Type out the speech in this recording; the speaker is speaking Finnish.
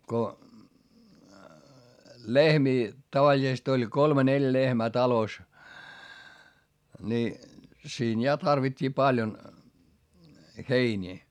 kun lehmiä tavallisesti oli kolme neljä lehmää talossa niin siinä ja tarvittiin paljon heiniä